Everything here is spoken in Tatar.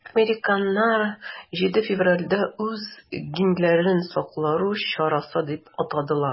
Американнар 7 февральдәге үз гамәлләрен саклану чарасы дип атадылар.